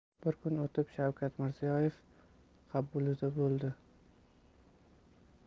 bir kun o'tib shavkat mirziyoyev qabulida bo'ldi